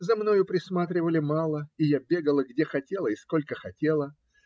За мною присматривали мало, и я бегала, где хотела и сколько хотела.